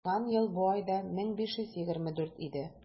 Узган ел бу айда 1524 иде.